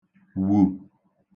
wù